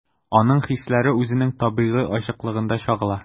Аның хисләре үзенең табигый ачыклыгында чагыла.